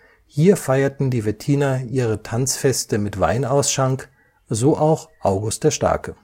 Hier feierten die Wettiner ihre Tanzfeste mit Weinausschank, so auch August der Starke